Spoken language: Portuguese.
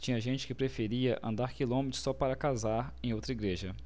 tinha gente que preferia andar quilômetros só para casar em outra igreja